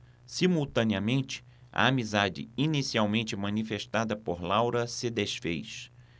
simultaneamente a amizade inicialmente manifestada por laura se disfez